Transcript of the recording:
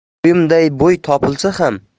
bo'yimday bo'y topilsa